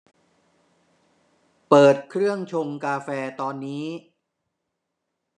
เปิดเครื่องชงกาแฟตอนนี้